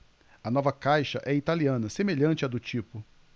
a nova caixa é italiana semelhante à do tipo